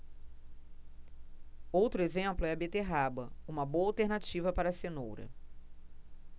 outro exemplo é a beterraba uma boa alternativa para a cenoura